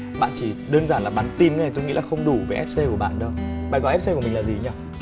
bạn chỉ đơn giản là bắn tim thế này tôi nghĩ là không đủ với ép xê của bạn đâu bạn gọi ép xê của mình là gì ý nhở